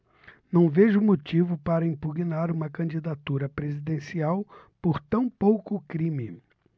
não vejo motivo para impugnar uma candidatura presidencial por tão pouco crime